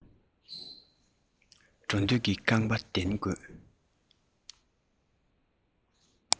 འགྲོ འདོད ཀྱི རྐང པ ལྡན དགོས